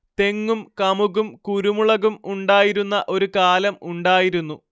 തെങ്ങും കമുകും കുരുമുളകും ഉണ്ടായിരുന്ന ഒരു കാലം ഉണ്ടായിരുന്നു